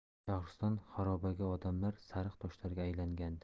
shahriston xarobaga odamlar sariq toshlarga aylangandi